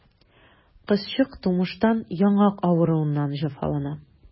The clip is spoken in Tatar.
Кызчык тумыштан яңак авыруыннан җәфалана.